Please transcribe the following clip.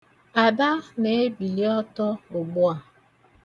Ada na-ebili ọtọ ugbu a.